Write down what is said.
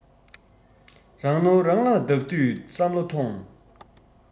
རང ནོར རང ལ བདག དུས བསམ བློ ཐོངས